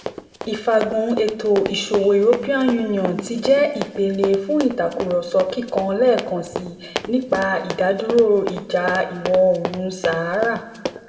Ìfàgùn ètò ìsòwò European Union (EU) ti jẹ́ ìpele fún ìtàkurọ̀sọ̀ kíkan lẹ́ẹ̀kansi nípa "ìdádúró" ìjà Ìwò Oòrùn Sahara